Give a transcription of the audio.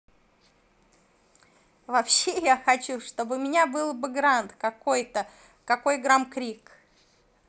вообще я хочу чтобы у меня было бы grand какой то какой грамм крик